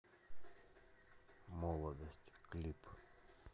молодость клип